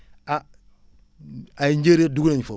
ah ay njéeréer dugg naén foofu